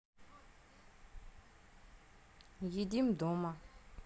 едим дома